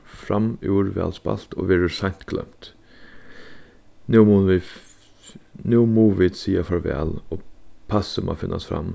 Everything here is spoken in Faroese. framúr væl spælt og verður seint gloymt nú mugu nú mugu vit siga farvæl og passið má finnast fram